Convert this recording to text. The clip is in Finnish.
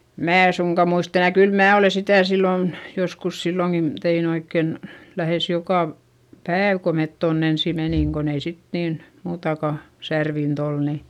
minä en suinkaan muista enää kyllä minä olen sitä silloin joskus silloinkin tein oikein lähes joka - päivä kun me tuonne ensin menimme kun ei sitten niin muutakaan särvintä ollut niin